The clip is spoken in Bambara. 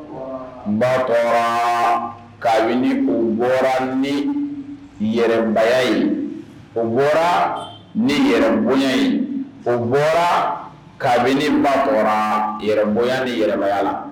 Batɔra kabini u bɔra ni yɛrɛbaya ye u bɔra ni yɛrɛboɲa ye u bɔra kabini batɔra yɛrɛboɲa ni yɛrɛbaya la